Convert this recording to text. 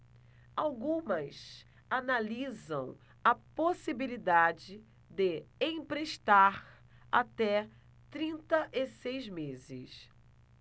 algumas analisam a possibilidade de emprestar até trinta e seis meses